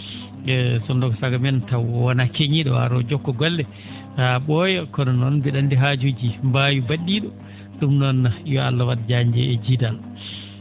e sinno ko sago men taw wonaa keñii?o o ara o jokka golle haa ?ooya kono noon mbe?a anndi haajuuji mbaawi mba??ii?o ?um noon yo Allah wat nja?nje e njiidal